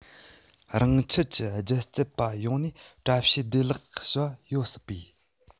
རང ཁྱིམ གྱི སྒྱུ རྩལ པ ཡོང ནས བཀྲ ཤིས བདེ ལེགས ཞུ བ ཡོད སྲིད པས